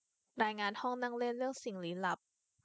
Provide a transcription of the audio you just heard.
รายงานห้องนั่งเล่นเรื่องสิ่งลี้ลับ